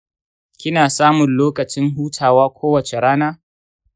kina samun lokacin hutawa kowacce rana?